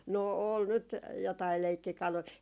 no oli nyt jotakin leikkikaluja